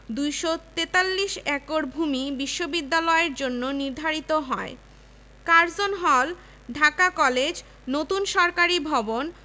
G W. Kuchler Dr. Rashbehari Ghosh Robert Nathan Nawab Syed Nawab Ali Chowdhury H R. James Nawab Sirajul Islam বাম থেকে দাঁড়ানো